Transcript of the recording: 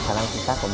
xác của